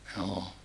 joo